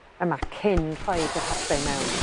yma cyn rhoid yr hade i mewn.